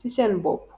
si sen mbobu.